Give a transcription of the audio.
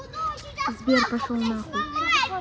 сбер пошел на хуй